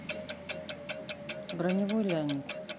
броневой леонид